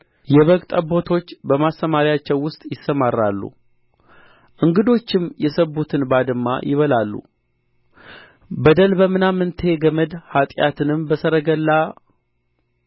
የበግ ጠቦቶች በማሰማርያቸው ውስጥ ይሰማራሉ እንግዶችም የሰቡትን ባድማ ይበላሉ በደልን በምናምንቴ ገመድ ኃጢአትንም በሰረገላ